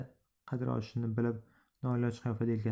qadri oshishini bilib noiloj qiyofada yelkasini qisdi